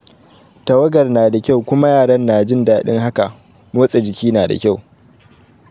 Tawagar nada kyau kuma yaran na jin dadi haka; motsa jikin na da kyau.